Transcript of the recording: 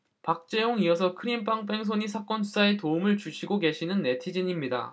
박재홍 이어서 크림빵 뺑소니 사건 수사에 도움을 주시고 계시는 네티즌입니다